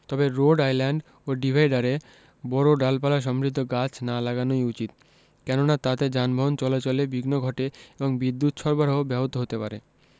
তবে road island ও ডিভাইডারে বড় ডালপালাসমৃদ্ধ গাছ না লাগানোই উচিত কেননা তাতে যানবাহন চলাচলে বিঘ্ন ঘটে এবং বিদ্যুত সরবরাহ ব্যাহত হতে পারে